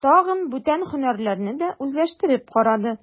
Тагын бүтән һөнәрләрне дә үзләштереп карады.